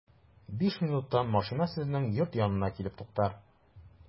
Биш минуттан машина сезнең йорт янына килеп туктар.